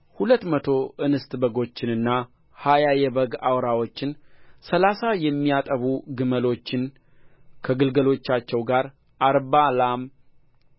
ሁለት መቶ እንስት በጎችንና ሀያ የበግ አውራዎችን ሠላሳ የሚያጠቡ ግመሎችን ከግልገሎቻቸው ጋር አርባ ላም